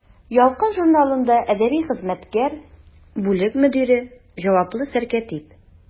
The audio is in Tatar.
«ялкын» журналында әдәби хезмәткәр, бүлек мөдире, җаваплы сәркәтиб.